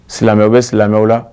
Silamɛw bɛ silamɛw la